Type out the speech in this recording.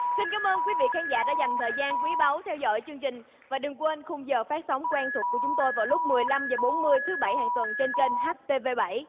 xin cám ơn quý vị khán giả đã dành thời gian quý báu theo dõi chương trình và đừng quên khung giờ phát sóng quen thuộc của chúng tôi vào lúc mười lăm giờ bốn mươi thứ bảy hàng tuần trên kênh hát tê vê bảy